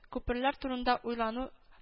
Күперләр турында уйлану